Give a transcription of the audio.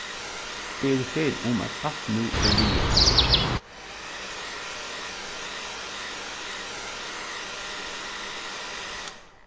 eg eri fegin um at alt nú er liðugt